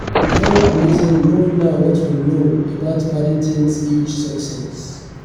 It's very amusing knowing now what we know about Paddington's huge success."